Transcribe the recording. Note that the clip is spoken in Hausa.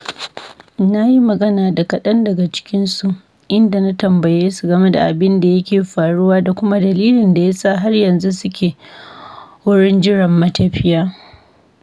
Na yi magana da kaɗan daga cikinsu, inda na tambaye su game da abin da yake faruwa da kuma dalilin da ya sa har yanzu suke wurin jiran matafiya.